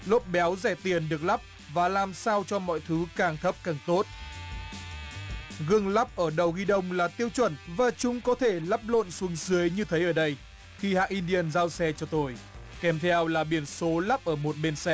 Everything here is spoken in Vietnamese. lốp béo rẻ tiền được lắp và làm sao cho mọi thứ càng thấp càng tốt gương lắp ở đầu ghi đông là tiêu chuẩn và chúng có thể lắp luôn xuống dưới như thấy ở đây khi hãng i điên giao xe cho tôi kèm theo là biển số lắp ở một bến xe